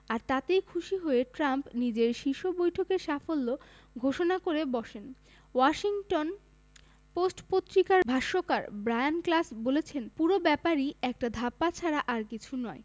আর তাতেই খুশি হয়ে ট্রাম্প নিজের শীর্ষ বৈঠকের সাফল্য ঘোষণা করে বসেন ওয়াশিংটন পোস্ট পত্রিকার ভাষ্যকার ব্রায়ান ক্লাস বলেছেন পুরো ব্যাপারই একটা ধাপ্পা ছাড়া আর কিছু নয়